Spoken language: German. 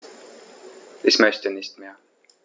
Ich möchte nicht mehr.